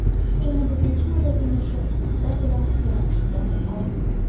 124 нче модель уңышы ссср белән генә чикләнеп калмый.